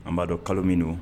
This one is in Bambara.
An b'a dɔn kalo min don